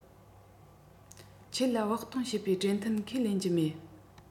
ཁྱེད རང ལ བོགས གཏོང བྱེད པའི གྲོས མཐུན ཁས ལེན གྱི མེད